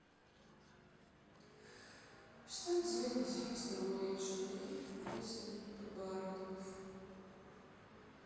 что делать если у моей жены восемь подбородков